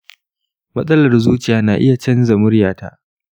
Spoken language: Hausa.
matsalar zuciya na iya canza muryata?